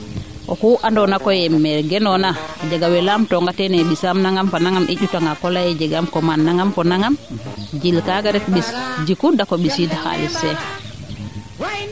oxuu andonaa teene mee genoona a jega wee laatoonga teene mbisaam nangam fo nangam i njutanga ko leya yee jegaam commande nangam fo nangam jil kaaga ret mbis jiku dako mbisiid xalis fee